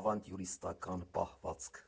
ավանտյուրիստական պահվածք։